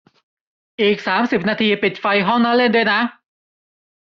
อีกสามสิบนาทีปิดไฟห้องนั่งเล่นด้วยนะ